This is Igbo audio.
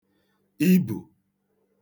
ibù